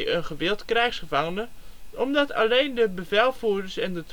een gewilde krijgsgevangene, omdat alleen de bevelvoerder (s) en de